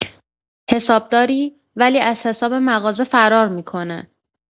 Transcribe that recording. حسابداری، ولی از حساب مغازه فرار می‌کنه.